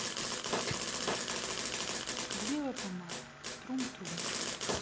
королева помад трум трум